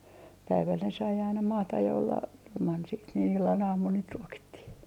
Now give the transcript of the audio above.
päivällä ne sai aina maata ja olla ilman siitä niin illan aamun niitä ruokittiin